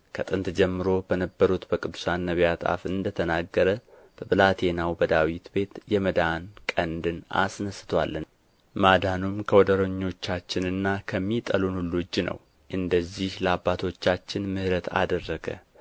ከጥንት ጀምሮ በነበሩት በቅዱሳን ነቢያት አፍ እንደ ተናገረ በብላቴናው በዳዊት ቤት የመዳን ቀንድን አስነስቶልናል ማዳኑም ከወደረኞቻችንና ከሚጠሉን ሁሉ እጅ ነው እንደዚህ ለአባቶቻችን ምሕረት አደረገ